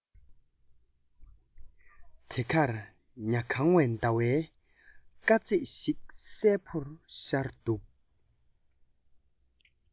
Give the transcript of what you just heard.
དེ གར ཉ གང བའི ཟླ བའི སྐྱ རིས ཤིག གསལ བོར ཤར འདུག